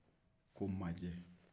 ko majɛ